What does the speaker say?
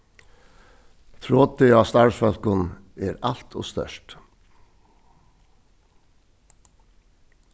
trotið á starvsfólkum er alt ov stórt